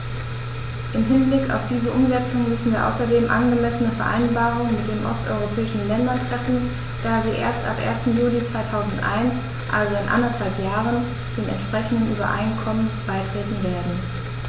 Im Hinblick auf diese Umsetzung müssen wir außerdem angemessene Vereinbarungen mit den osteuropäischen Ländern treffen, da sie erst ab 1. Juli 2001, also in anderthalb Jahren, den entsprechenden Übereinkommen beitreten werden.